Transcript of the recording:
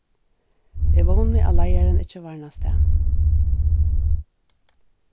eg vóni at leiðarin ikki varnast tað